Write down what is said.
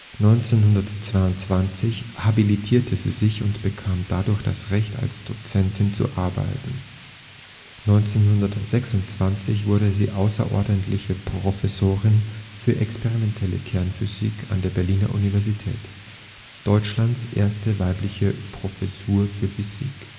1922 habilitierte sie sich und bekam dadurch das Recht, als Dozentin zu arbeiten. 1926 wurde sie außerordentliche Professorin für experimentelle Kernphysik an der Berliner Universität, Deutschlands erste weibliche Professur für Physik